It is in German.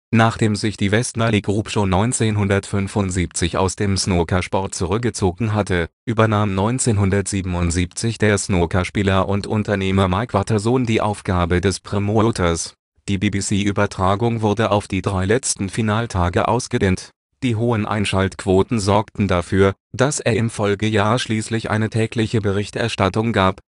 Nachdem sich die West Nally Group schon 1975 aus dem Snookersport zurückgezogen hatte, übernahm 1977 der Snookerspieler und Unternehmer Mike Watterson die Aufgabe des Promoters. Die BBC-Übertragung wurde auf die drei letzten Finaltage ausgedehnt. Die hohen Einschaltquoten sorgten dafür, dass es im Folgejahr schließlich eine tägliche Berichterstattung gab